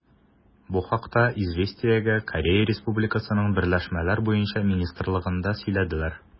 Бу хакта «Известия»гә Корея Республикасының берләшмәләр буенча министрлыгында сөйләделәр.